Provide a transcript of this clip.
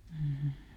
mm